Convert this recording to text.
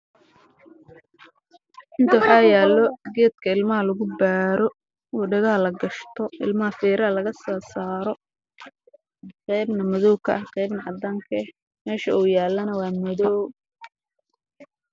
Meeshaan waxaa yaalo geedka ilmaha lagu baaro